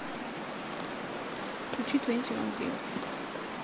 включи твенти он ван пилотс